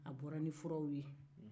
a bora ni furaw ye